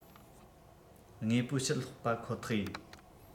དངོས པོ ཕྱིར སློག པ ཁོ ཐག ཡིན